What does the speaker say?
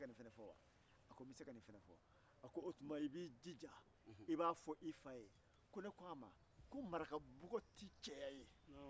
dɔw bɛ an falakaw yɛrɛ fana olu tɛ a ɲɛɲini olu tɛ gɛrɛ musokɔrɔbala dɔw bɛ u jo dala ka u ba fo u sen na ka tɛ mɛ